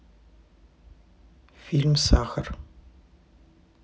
фильм сахар